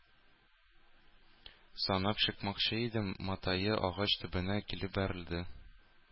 Санап чыкмакчы иде, матае агач төбенә килеп бәрелде.